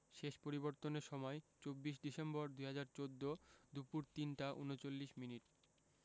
শেষ পরিবর্তনের সময় ২৪ ডিসেম্বর ২০১৪ দুপুর ৩টা ৩৯মিনিট